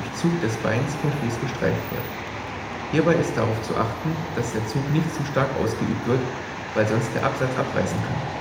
Zug des Beins vom Fuß gestreift wird. Hierbei ist darauf zu achten, dass der Zug nicht zu stark ausgeübt wird, weil sonst der Absatz abreißen kann